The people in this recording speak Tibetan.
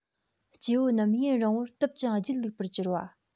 སྐྱེ བོ རྣམས ཡུན རིང པོར དུབ ཅིང སྒྱིད ལུག པར གྱུར པ